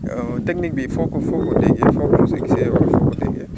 technique bi foo ko foo ko dégee foo ko mos a gisee wala foo ko déggee